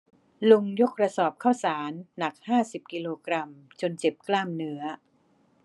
ลุงยกกระสอบข้าวสารหนักห้าสิบกิโลกรัมจนเจ็บกล้ามเนื้อ